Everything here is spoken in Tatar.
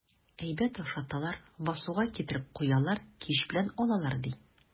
Әйбәт ашаталар, басуга китереп куялар, кич килеп алалар, ди.